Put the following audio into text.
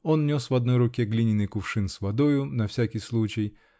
Он нес в одной руке глиняный кувшин с водою -- на всякий случай